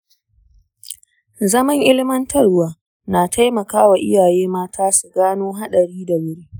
zaman ilimantarwa na taimaka wa iyaye mata su gano haɗari da wuri.